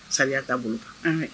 Sariya t'a bolo